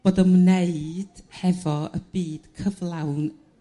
bod ymwneud hefo y byd cyflawn